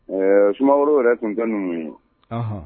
Ɛɛ sumaworo yɛrɛ tun tɛ ninnu ye